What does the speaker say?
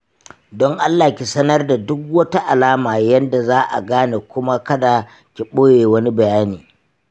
don allah ki sanar da duk wata alama yanda za'a gane kuma kada ki ɓoye wani bayani.